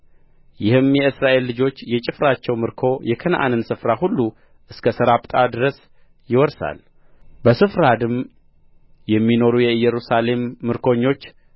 ይህም የእስራኤል ልጆች የጭፍራቸው ምርኮ የከነዓንን ስፍራ ሁሉ እስከ ሰራጵታ ድረስ ይወርሳል በስፋራድም የሚኖሩ የኢየሩሳሌም ምርኮኞች